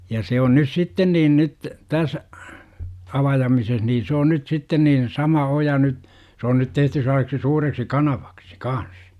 ja se on nyt sitten niin nyt tässä avaamisessa niin se on nyt sitten niin sama oja nyt se on nyt tehty sellaiseksi suureksi kanavaksi kanssa